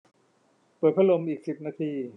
เปิดพัดลมอีกสิบนาที